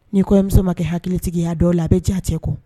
Ni kɔɲɔmuso ma kɛ hakilitigi ye a dɔw la a bɛ jɛn a cɛ kɔ